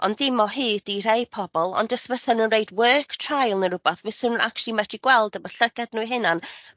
ond dim o hyd i rhei pobol ond jys fysan nw'n roit work trial ne' rwbath fyswn nw'n actually metru gweld efo llygad n'w 'u hunan